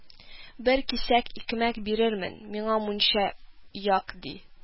– бер кисәк икмәк бирермен, миңа мунча як, – ди